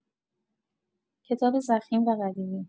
کتاب ضخیم و قدیمی